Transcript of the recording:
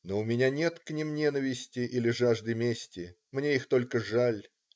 Но у меня нет к ним ненависти или жажды мести, мне их только жаль.